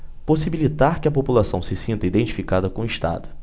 possibilitar que a população se sinta identificada com o estado